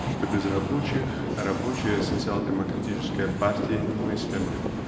что без рабочих рабочая социал-демократическая партия немыслима